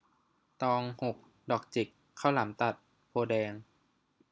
ตองหกดอกจิกข้าวหลามตัดโพธิ์แดง